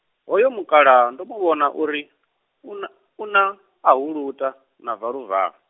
hoyo mukalaha ndo mu vhona uri u na, u na ahuluta na valuvalu.